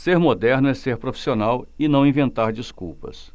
ser moderno é ser profissional e não inventar desculpas